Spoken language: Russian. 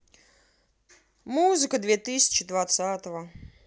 музыка две тысячи двадцатого